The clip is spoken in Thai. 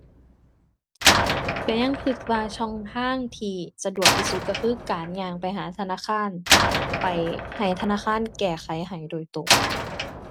ก็ยังก็ว่าช่องทางที่สะดวกที่สุด ก็คือการย่างไปหาธนาคาร ไปให้ธนาคารแก้ไขให้โดยตรง